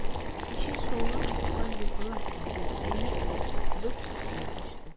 Кичә шаулап аккан елгалар бүген әллә кая, боз астына качты.